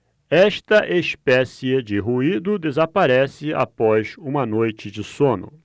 esta espécie de ruído desaparece após uma noite de sono